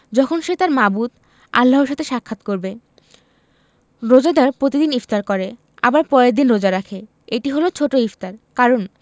যখন সে তাঁর মাবুদ আল্লাহর সঙ্গে সাক্ষাৎ করবে রোজাদার প্রতিদিন ইফতার করে আবার পরের দিন রোজা রাখে এটি হলো ছোট ইফতার কারণ